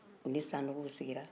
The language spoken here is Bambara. u ni sanɔgɔw sigira